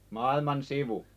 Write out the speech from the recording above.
maailman sivu